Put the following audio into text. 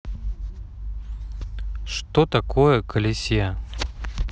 что такое колесе